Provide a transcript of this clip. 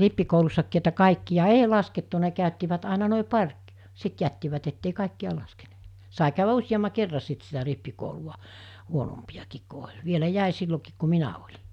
rippikoulussakin että kaikkia - ei laskettu ne käyttivät aina noin pari - sitten jättivät että ei kaikkia laskeneet sai käydä useamman kerran sitten sitä rippikoulua huonompiakin kun oli vielä jäi silloinkin kun minä olin